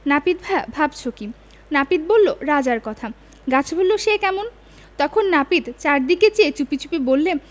নাপিত ভায়া ভাবছ কী নাপিত বলল রাজার কথা গাছ বলল সে কমন তখন নাপিত চারিদিকে চেয়ে চুপিচুপি বললে